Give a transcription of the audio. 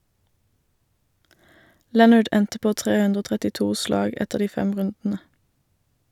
Leonard endte på 332 slag etter de fem rundene.